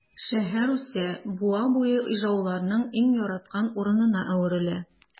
Шәһәр үсә, буа буе ижауларның иң яраткан урынына әверелә.